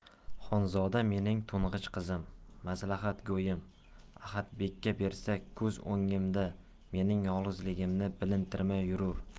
xonzoda mening to'ng'ich qizim maslahatgo'yim ahmadbekka bersak ko'z o'ngimda mening yolg'izligimni bilintirmay yurur